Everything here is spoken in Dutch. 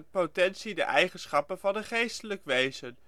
potentie de eigenschappen van een geestelijk wezen